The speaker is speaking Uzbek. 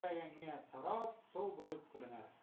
suvsaganga sarob suv bo'lib ko'rinar